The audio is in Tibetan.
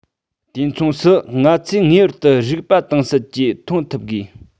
དུས མཚུངས སུ ང ཚོས ངེས པར དུ རིག པ དྭངས གསལ གྱིས མཐོང ཐུབ དགོས